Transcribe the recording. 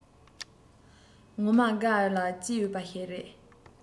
ངོ མ དགའ འོས ལ སྐྱིད འོས པ ཞིག རེད